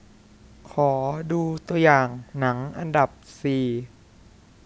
ขอดูตัวอย่างหนังอันดับสี่